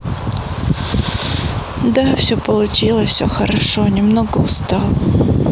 да все получилось все хорошо немного устал